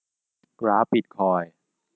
กราฟบิทคอยน์